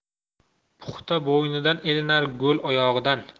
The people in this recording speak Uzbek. puxta bo'ynidan ilinar go'l oyog'idan